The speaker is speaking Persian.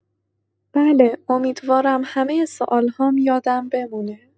بله، امیدوارم همه سؤال‌هام یادم بمونه.